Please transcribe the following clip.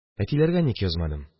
Әтиләргә ник язмадым?